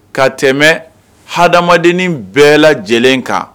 Ka tɛmɛ ha adamadennin bɛɛ lajɛlen kan